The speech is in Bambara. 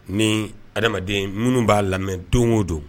Ni adamaden minnu b'a lamɛn don o don